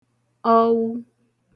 ọwụ